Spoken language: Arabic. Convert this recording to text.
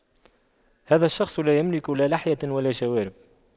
هذا الشخص لا يملك لا لحية ولا شوارب